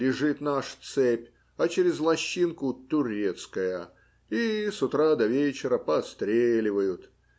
лежит наша цепь, а через лощинку - турецкая, и с утра до вечера постреливают.